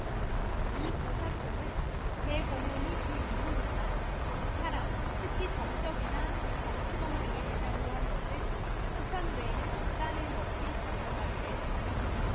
이 고사총은 대공용이 주임무지만 사람 특히 정적이나 정치범 등을 대상으로 한 것은 북한 외에는 없다는 것이 전문가들의 전언이다